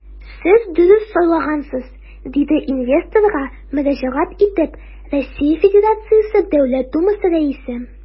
Сез дөрес сайлагансыз, - диде инвесторга мөрәҗәгать итеп РФ Дәүләт Думасы Рәисе.